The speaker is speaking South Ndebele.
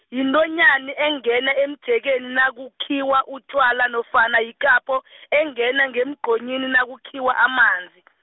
yintonyani engena emjekeni nakukhiwa utjwala nofana yikapho, engena ngemgqonyini nakukhiwa amanzi.